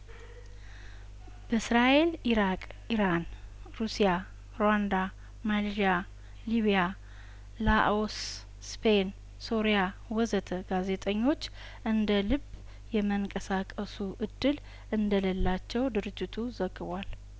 በእስራኤል ኢራቅ ኢራን ሩሲያ ሩዋንዳ ማሊዥያ ሊቢያ ላኦስ ስፔን ሶሪያ ወዘት ጋዜጠኞች እንደልብ የመንቀሳቀሱ እድል እንደሌላቸው ድርጅቱ ዘግቧል